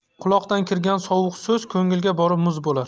quloqdan kirgan sovuq so'z ko'ngilga borib muz bo'lar